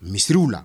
Misiriw la